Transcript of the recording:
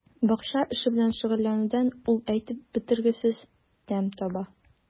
Бакча эше белән шөгыльләнүдән ул әйтеп бетергесез тәм таба.